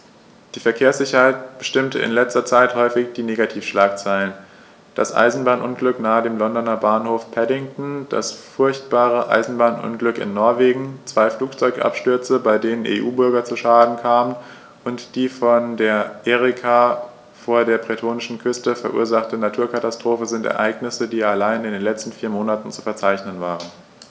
Die Verkehrssicherheit bestimmte in letzter Zeit häufig die Negativschlagzeilen: Das Eisenbahnunglück nahe dem Londoner Bahnhof Paddington, das furchtbare Eisenbahnunglück in Norwegen, zwei Flugzeugabstürze, bei denen EU-Bürger zu Schaden kamen, und die von der Erika vor der bretonischen Küste verursachte Naturkatastrophe sind Ereignisse, die allein in den letzten vier Monaten zu verzeichnen waren.